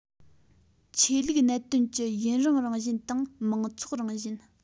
ཆོས ལུགས གནད དོན གྱི ཡུང རིང རང བཞིན དང མང ཚོགས རང བཞིན